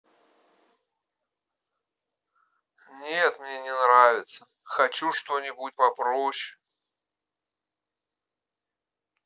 нет мне не нравится хочу что нибудь попроще